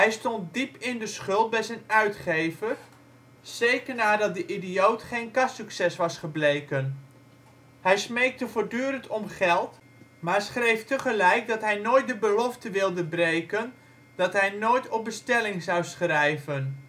stond diep in de schuld bij zijn uitgever, zeker nadat De idioot geen kassucces was gebleken. Hij smeekte voortdurend om geld, maar schreef tegelijk dat hij nooit de belofte wilde breken dat hij nooit op bestelling zou schrijven